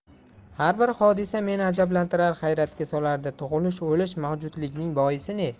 har bir hodisa meni ajablantirar hayratga solardi tug'ilish o'lish mavjudlikning boisi ne